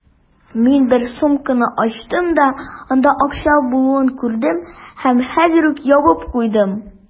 Мин бер сумканы ачтым да, анда акча булуын күрдем һәм хәзер үк ябып куйдым.